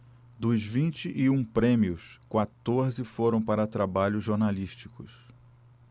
dos vinte e um prêmios quatorze foram para trabalhos jornalísticos